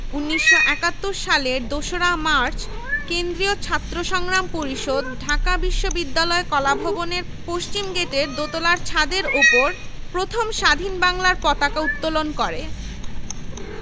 বলে আখ্যায়িত করা হলেও বর্তমানে ১০ হাজার ছাত্রী ও কয়েক শত নারী শিক্ষকের নিয়োগ আজ আর কোনো বিস্ময়ের ব্যাপার নয়